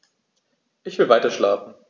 Ich will weiterschlafen.